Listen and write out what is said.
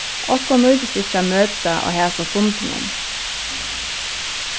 okkum nýtist ikki at møta á hasum fundinum